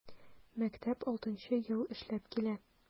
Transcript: Мәктәп 6 нчы ел эшләп килә.